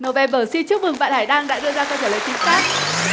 nâu ven bờ xin chúc mừng bạn hải đăng đã đưa ra câu trả lời chính xác